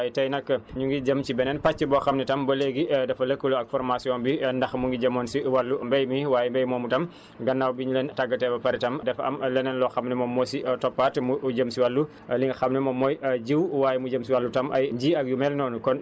waaye tey nag ñu ngi jëm si benbeen pàcc boo xam ne tam ba léegi dafa lëkkaloo ak formation bi ndax mu ngi jëmoon si wàllu mbéy mi waaye mbéy moomu tam gannaaw biñ leen tàggatee ba pare tam dafa am leneen loo xam ne moom moo si toppaat mu jëm si wàllu li nga xam ne moom mooy jiw waaye mu jëm si wàllu tam ay ji ak yu mel noonu